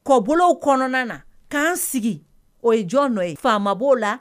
Kɔbolow kɔnɔna na, k'an sigi, o ye jɔn nɔ ye? Faama b'o la